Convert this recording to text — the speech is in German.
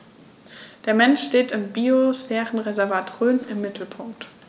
Der Mensch steht im Biosphärenreservat Rhön im Mittelpunkt.